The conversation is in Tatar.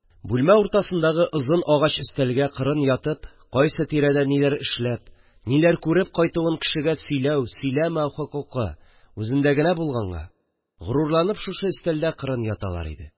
Бүлмә уртасындагы озын агач өстәлгә кырын ятып кайсы тирәдә ниләр эшләп, ниләр күреп кайтуын кешегә сөйләү-сөйләмәү хокукы үзендә генә булганга, горурланып шушы өстәлдә кырын яталар иде